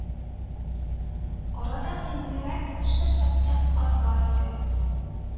Арада гыйлемрәк кеше Фәттах карт бар иде: